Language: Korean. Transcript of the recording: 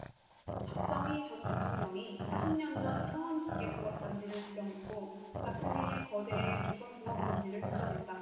박정희 전 대통령이 사십 년전 창원기계공업단지를 지정했고 같은해에 거제에 조선공업단지를 지정했다